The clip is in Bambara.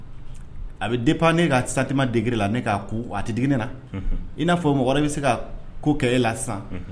A be dépend ne ka sentiment degré la ne k'a ku wa a te digi ne na unhun i n'a fɔ mɔgɔ wɛrɛ be se ka k ko kɛ e la sisan